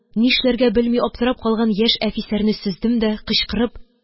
Нишләргә белми аптырап калган яшь әфисәрне сөздем дә, кычкырып